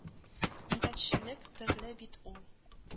Милләтчелек төрле бит ул